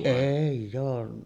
ei ole